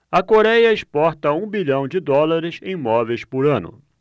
a coréia exporta um bilhão de dólares em móveis por ano